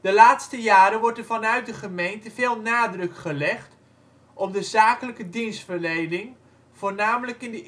laatste jaren wordt er vanuit de gemeente veel nadruk gelegd op de zakelijke dienstverlening (voornamelijk in